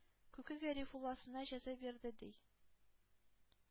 Күке Гарифулласына җәза бирде, ди.